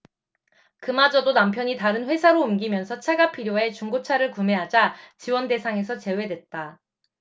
그마저도 남편이 다른 회사로 옮기면서 차가 필요해 중고차를 구매하자 지원대상에서 제외됐다